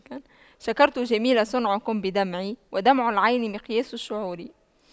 شكرت جميل صنعكم بدمعي ودمع العين مقياس الشعور